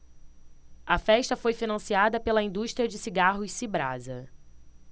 a festa foi financiada pela indústria de cigarros cibrasa